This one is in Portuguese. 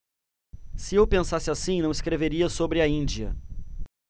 se eu pensasse assim não escreveria sobre a índia